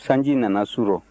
sanji nana su rɔ